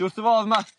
Ti wrth dy fodd yma?